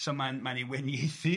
...so mae'n mae'n ei wenieithu... Ia